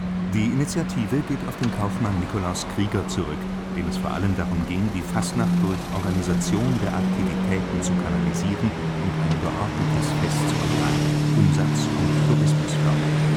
Die Initiative geht auf den Kaufmann Nicolaus Krieger zurück, dem es vor allem darum ging, die Fastnacht durch Organisation der Aktivitäten zu kanalisieren und ein geordnetes Fest zu gestalten, umsatz - und tourismusfördernd